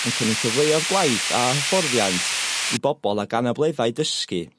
yn cynig cyfleuodd gwaith a hyfforddiant i bobol ag anableddau dysgu.